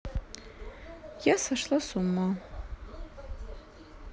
я сошла с ума